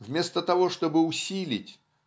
вместо того чтобы усилить